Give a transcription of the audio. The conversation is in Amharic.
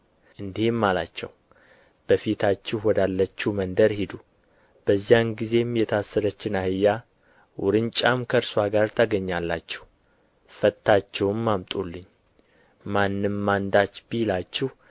እንዲህም አላቸው በፊታችሁ ወዳለችው መንደር ሂዱ በዚያን ጊዜም የታሰረችን አህያ ውርንጫም ከእርስዋ ጋር ታገኛላችሁ ፈትታችሁ አምጡልኝ ማንም አንዳች ቢላችሁ